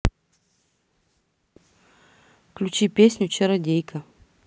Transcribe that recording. включи песню чародейка